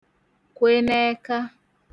kwe n'ẹka